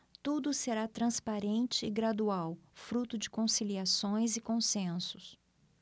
tudo será transparente e gradual fruto de conciliações e consensos